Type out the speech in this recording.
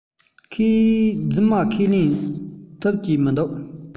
རྫུན མ ཁས ལེན ཐུབ ཀྱི མི འདུག